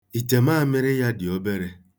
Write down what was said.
Itemaamịrị ya dị obere.